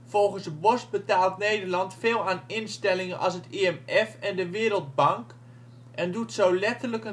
Volgens Bos betaalt Nederland veel aan instellingen als het IMF en de Wereldbank en doet zo letterlijk